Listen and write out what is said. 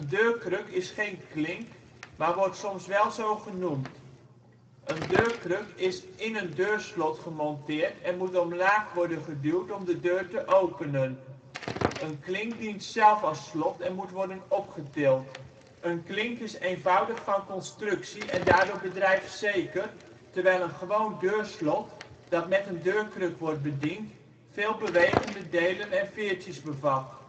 deurkruk is geen klink, maar wordt soms wel zo genoemd. Een deurkruk is in een deurslot gemonteerd en moet omlaag worden geduwd om de deur te openen. Een klink dient zelf als slot en moet worden opgetild. Een klink is eenvoudig van constructie en daardoor bedrijfszeker, terwijl een gewoon deurslot (dat met een deurkruk wordt bediend) veel bewegende delen en veertjes bevat